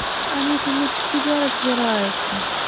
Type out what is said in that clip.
алиса лучше тебя разбирается